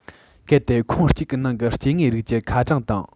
གལ ཏེ ཁོངས གཅིག གི ནང གི སྐྱེ དངོས རིགས ཀྱི ཁ གྲངས དང